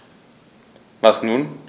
Was nun?